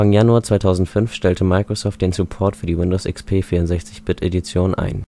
Januar 2005 stellte Microsoft den Support für die Windows XP 64-Bit Edition ein